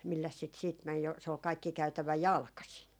milläs sitä sitten meni jo se oli kaikki käytävä jalkaisin